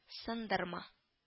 Сындырма